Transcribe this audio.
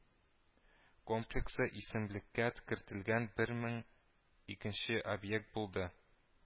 Комплексы исемлеккә кертелгән бермен икенче объект булды